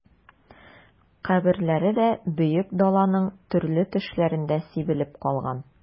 Каберләре дә Бөек Даланың төрле төшләрендә сибелеп калган...